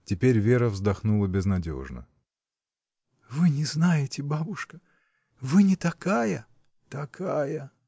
Теперь Вера вздохнула безнадежно. — Вы не знаете, бабушка. вы не такая!. — Такая!.